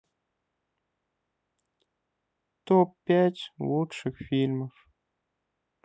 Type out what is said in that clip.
топ пять лучших фильмов